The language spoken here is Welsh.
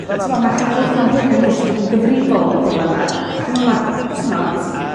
yy t'mod ma'r cenedlaetha o'n blaena' ni sy 'di bod yn gyfrifol am y problema' dwi me'wl ma'r t'mod